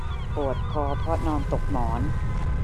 ปวดคอเพราะนอนตกหมอน